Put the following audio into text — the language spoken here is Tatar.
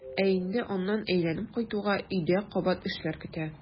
Ә инде аннан әйләнеп кайтуга өйдә кабат эшләр көтә.